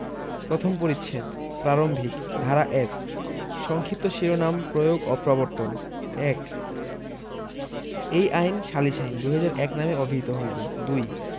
প্রথম পরিচ্ছেদ প্রারম্ভিক ধারা ১ সংক্ষিপ্ত শিরোনাম প্রয়োগ ও প্রবর্তন ১ এই আইন সালিস আইন ২০০১ নামে অভিহিত হইবে ২